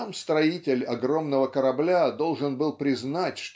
сам строитель огромного корабля должен был признать